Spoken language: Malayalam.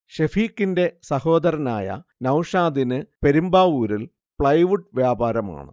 ഷെഫീഖിന്റെ സഹോദരനായ നൗഷാദിന് പെരുമ്പാവൂരിൽ പ്ലൈവുഡ് വ്യാപാരമാണ്